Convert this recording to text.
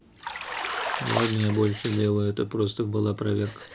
ладно я больше делаю это просто была проверка